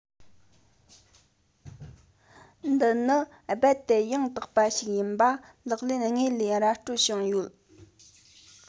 འདི ནི རྦད དེ ཡང དག པ ཞིག ཡིན པ ལག ལེན དངོས ལས ར འཕྲོད བྱུང ཡོད